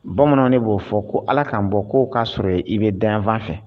Bamananw de b'o fɔ ko Ala ka bɔ k'o k'a sɔrɔ i bɛ dayanfan fɛ